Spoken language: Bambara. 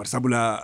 Barisabulaa